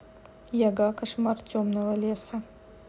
яга кошмар темного леса